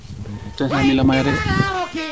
500 mille a maya de